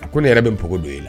A ko ne yɛrɛ bɛ npogo don e la